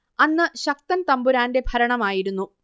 അന്ന് ശക്തൻ തമ്പുരാന്റെ ഭരണമായിരുന്നു